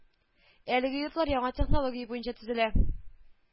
Әлеге йортлар яңа технология буенча төзелә